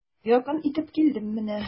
Якын итеп килдем менә.